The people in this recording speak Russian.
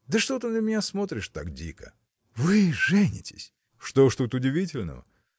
Да что ты на меня смотришь так дико? – Вы – женитесь! – Что ж тут удивительного?